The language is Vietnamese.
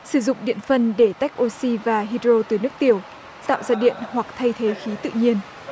sử dụng điện phân để tách ô xi và hy đờ rô từ nước tiểu trạm xe điện hoặc thay thế khí tự nhiên